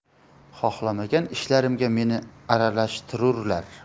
xohlamagan ishlarimga meni aralashtirurlar